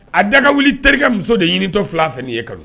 A dakawuli terikɛ muso de ɲinitɔ fil'a fɛn nin ye kanu